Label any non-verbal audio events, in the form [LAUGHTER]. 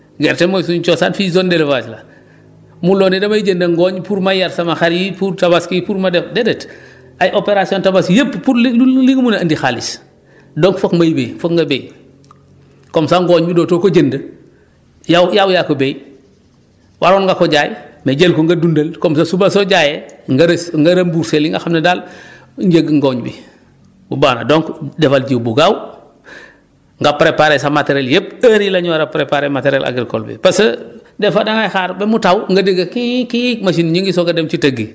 gerte mooy suñu cosaan fii zone d' élevage la mënuloo ne damay jënd ngooñ pour ma yar sama xar yi pour tabaski pour ma def déedéet [BREATH] ay opération tabaski yëpp pour li li nga mën a andi xaalis donc foog may béy foog nga béy comme ça ngooñ bi dootoo ko jënd yow yow yaa ko béy waroon nga ko jaay mais jël ko nga dundal comme que suba soo jaayee nga res nga rembourser li nga xam ne daal [BREATH] njëgu ngooñ bi baax na donc defal jiw bu gaaw [BREATH] nga préparer sa matériels yëpp heures yii la ñu war a préparer matériels agricoles bi parce que des fois da ngay xaar ba mu taw nga dégg kiik kiik machines yi ñu ngi soog a dem ci tëgg yi